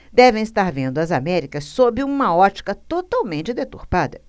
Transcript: devem estar vendo as américas sob uma ótica totalmente deturpada